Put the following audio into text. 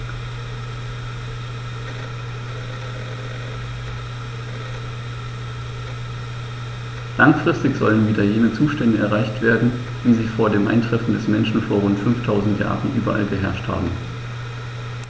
Langfristig sollen wieder jene Zustände erreicht werden, wie sie vor dem Eintreffen des Menschen vor rund 5000 Jahren überall geherrscht haben.